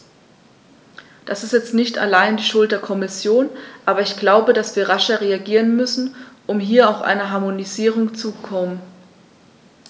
Das ist jetzt nicht allein die Schuld der Kommission, aber ich glaube, dass wir rascher reagieren müssen, um hier auch zu einer Harmonisierung zu kommen.